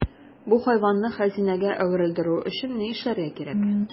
Бу хайванны хәзинәгә әверелдерү өчен ни эшләргә кирәк?